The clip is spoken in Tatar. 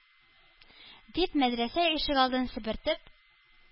Дип, мәдрәсә ишек алдын себертеп,